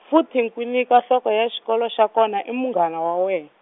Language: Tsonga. futhi Nkwinika nhloko ya xikolo xa kona i munghana wa we-.